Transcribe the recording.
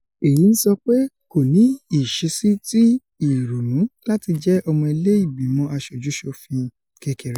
Èyí ńsọpe kòní ìṣeṣí ti ìrònú láti jẹ́ Ọmọ Ilé Ìgbìmọ̀ Aṣojú-ṣòfin Kékeré.